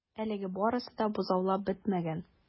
Әлегә барысы да бозаулап бетмәгән.